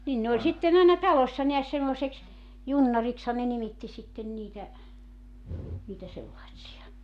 niin ne oli sitten aina talossa näet semmoiseksi junnariksihan ne nimitti sitten niitä niitä sellaisia